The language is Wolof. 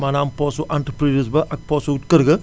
maanaam poche su entreprise ba ak poche su kër ga